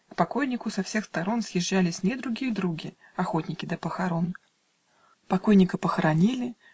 К покойнику со всех сторон Съезжались недруги и други, Охотники до похорон. Покойника похоронили.